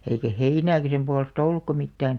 eikä heinääkään sen puolesta ollutkaan mitään